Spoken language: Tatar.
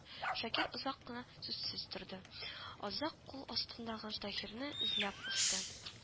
Шакир озак кына сүзсез торды. Азак кул астындагы Таһирне эзләп кушты